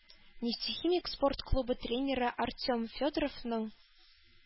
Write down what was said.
«нефтехимик» спорт клубы тренеры артем федоровның